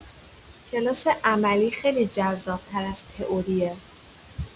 کلاس عملی خیلی جذاب‌تر از تئوریه